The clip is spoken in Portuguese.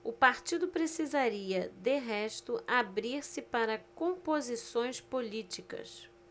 o partido precisaria de resto abrir-se para composições políticas